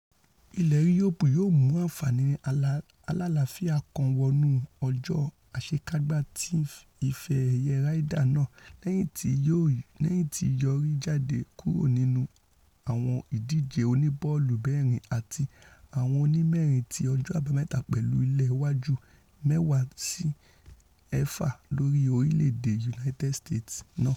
Ilẹ̀ Yúróòpù yóò mú ànfààni alálàáfíà kan wọnú ọjọ́ àṣèkágbá ti Ife-ẹ̀yẹ Ryder náà lẹ́yìn tí yọrí jàde kúrò nínú àwọn ìdíje oníbọ́ọ̀lù-mẹ́rin àti àwọn onímẹrin ti ọjọ Àbámẹ́ta pẹ̀lú ìléwájú 10-6 lórí orílẹ̀-èdè United States náà.